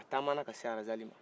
a taama na ka se arazali ma